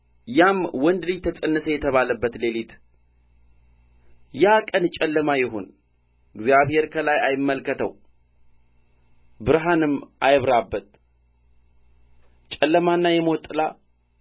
ያም ወንድ ልጅ ተፀነሰ የተባለበት ሌሊት ያ ቀን ጨለማ ይሁን እግዚአብሔር ከላይ አይመልከተው ብርሃንም አይብራበት ጨለማና የሞት ጥላ